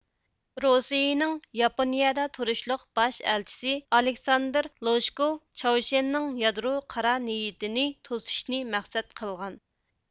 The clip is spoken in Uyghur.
روسىيىنىڭ ياپونىيىدە تۇرۇشلۇق باش ئەلچىسى ئالىكساندېر لوژكوۋ چاۋشيەننىڭ يادرو قارا نىيىتىنى توسۇشنى مەقسەت قىلغان